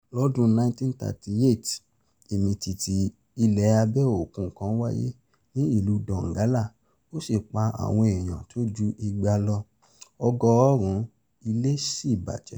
Lọ́dún 1938, ìmìtìtì ilẹ̀ abẹ́ òkun kan wáyé ní ìlú Donggala, ó sì pa àwọn èèyàn tó ju igba [200] lọ, ọgọ́rọ̀ọ̀rún ilé sì bà jẹ́.